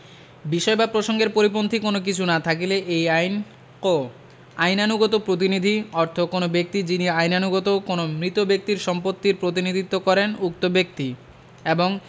বিষয় বা প্রসঙ্গের পরিপন্থী কোন কিছু না থাকিলে এই আইনে ক আইনানুগত প্রতিনিধি অর্থ কোন ব্যক্তি যিনি আইনানুগতভাবে কোন মৃত ব্যক্তির সম্পত্তির প্রতিনিধিত্ব করেন উক্ত ব্যক্তি এবং